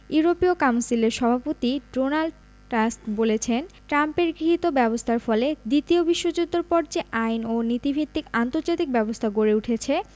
ইউরোপীয় কাউন্সিলের সভাপতি ডোনাল্ড টাস্ক বলেছেন ট্রাম্পের গৃহীত ব্যবস্থার ফলে দ্বিতীয় বিশ্বযুদ্ধের পর যে আইন ও নীতিভিত্তিক আন্তর্জাতিক ব্যবস্থা গড়ে উঠেছে